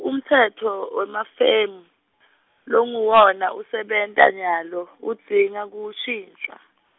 umtsetfo, wemafemu, longuwona usebenta nyalo, udzinga kushintjwa.